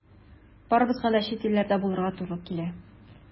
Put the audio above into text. Барыбызга да чит илләрдә булырга туры килә.